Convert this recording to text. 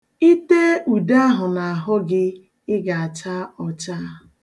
I tee ude ahụ n'ahụ gị, ị ga-acha ọcha.